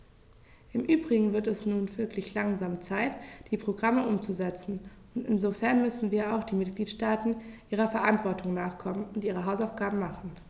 Im übrigen wird es nun wirklich langsam Zeit, die Programme umzusetzen, und insofern müssen auch die Mitgliedstaaten ihrer Verantwortung nachkommen und ihre Hausaufgaben machen.